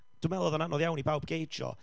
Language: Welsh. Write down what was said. Dwi'n meddwl oedd o'n anodd iawn i bawb geijio